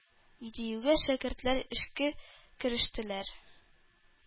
Диюгә, шәкертләр эшкә керештеләр.